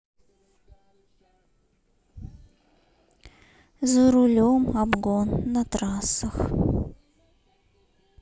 за рулем обгон на трассах